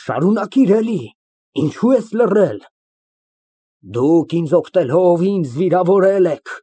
Շարունակիր էլի, ինչո՞ւ ես լռել։ «Դուք ինձ օգնելով, ինձ վիրավորել եք։